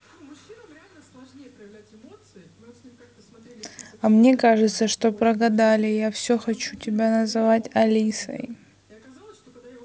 а мне кажется прогадали я все хочу тебя называть алисой